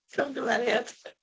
Camgymeriad!